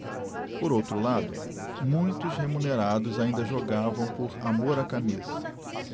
por outro lado muitos remunerados ainda jogavam por amor à camisa